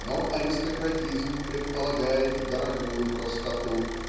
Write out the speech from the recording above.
Но аристократизм предполагает дорогую простоту